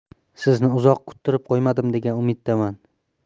sizni uzoq kuttirib qo'ymadim degan umiddaman